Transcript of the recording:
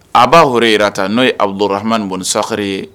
Abaa Hurayirata n'o ye abudurahamani bɔn sakarire ye